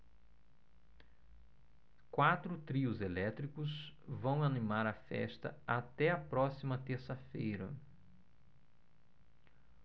quatro trios elétricos vão animar a festa até a próxima terça-feira